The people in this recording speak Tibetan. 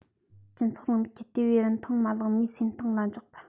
སྤྱི ཚོགས རིང ལུགས ཀྱི ལྟེ བའི རིན ཐང མ ལག མིའི སེམས གཏིང ལ འཇགས པ